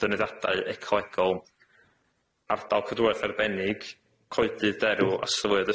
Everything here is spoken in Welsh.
ddeunyddiadau ecoegol, ardal cadwaeth arbennig, coedydd derw a syfle